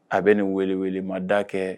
A bɛ nin wele weele ma da kɛ